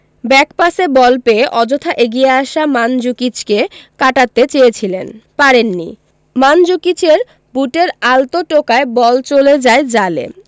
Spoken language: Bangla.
ব্যাকপাসে বল পেয়ে অযথা এগিয়ে আসা মানজুকিচকে কাটাতে চেয়েছিলেন পারেননি মানজুকিচের বুটের আলতো টোকায় বল চলে যায় জালে